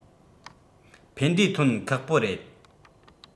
ཕན འབྲས ཐོན ཁག པོ རེད